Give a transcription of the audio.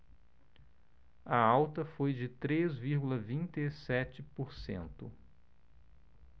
a alta foi de três vírgula vinte e sete por cento